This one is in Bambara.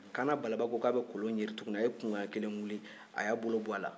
kaana balaba ko abɛ kolon yeri tuguni a ye kukan ɲɛ kelen wuli a y'a bolo bɔ a la